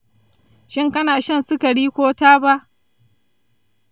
shin kana shan sigari ko taba?